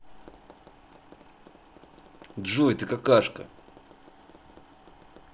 джой ты какашка